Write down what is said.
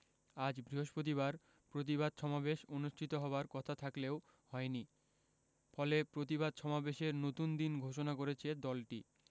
আজ বৃহস্পতিবার প্রতিবাদ সমাবেশ অনুষ্ঠিত হবার কথা থাকলেও হয়নি ফলে প্রতিবাদ সমাবেশের নতুন দিন ঘোষণা করেছে দলটি